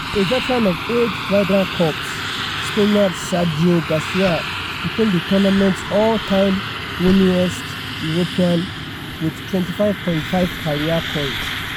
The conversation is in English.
A veteran of eight Ryder Cups, Spaniard Sergio Garcia became the tournaments all-time winningest European with 25.5 career point.